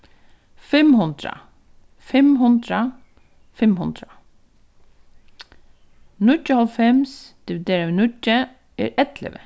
fimm hundrað fimm hundrað fimm hundrað níggjuoghálvfems dividerað við níggju er ellivu